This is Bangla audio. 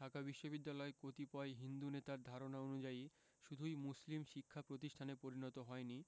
ঢাকা বিশ্ববিদ্যালয় কতিপয় হিন্দু নেতার ধারণা অনুযায়ী শুধুই মুসলিম শিক্ষা প্রতিষ্ঠানে পরিণত হয় নি